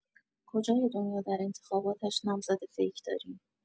کجای دنیا در انتخاباتش نامزد فیک داریم؟